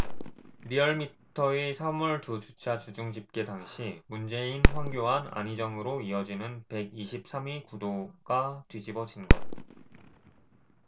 리얼미터의 삼 월 두 주차 주중집계 당시 문재인 황교안 안희정으로 이어지는 백 이십 삼 위 구도가 뒤집어진 것